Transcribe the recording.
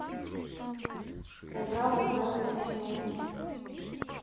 пожалуй да смешно